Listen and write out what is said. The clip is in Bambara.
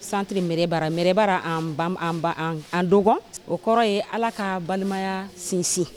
Santiri m bara mbara an an don o kɔrɔ ye ala ka balimaya sinsin